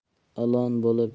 ilon bo'lib yashagandan